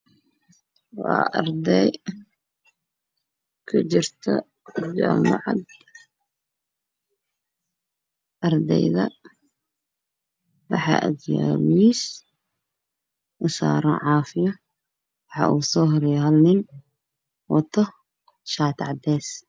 Waa arday kujirto jaamacad waxaa agyaalo miis saaran caafiyo waxaa ugu soo horeeyo waxuu wataa shaati cadeys ah.